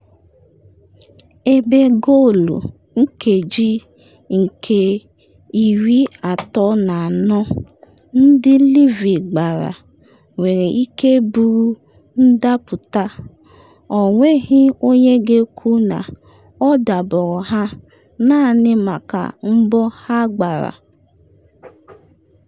Ebe goolu nkeji 34th ndị Livi gbara nwere ike bụrụ ndapụta, ọ nweghị onye ga-ekwu na ọ dabarọ ha naanị maka mbọ ha gbara.